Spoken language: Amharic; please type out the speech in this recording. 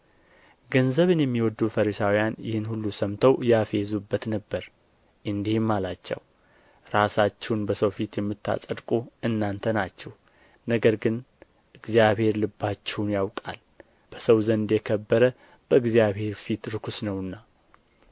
ገንዘብንም የሚወዱ ፈሪሳውያን ይህን ሁሉ ሰምተው ያፌዙበት ነበር እንዲህም አላቸው ራሳችሁን በሰው ፊት የምታጸድቁ እናንተ ናችሁ ነገር ግን እግዚአብሔር ልባችሁን ያውቃል በሰው ዘንድ የከበረ በእግዚአብሔር ፊት ርኵሰት ነውና